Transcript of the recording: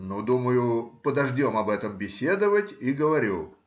Ну, думаю, подождем об этом беседовать, и говорю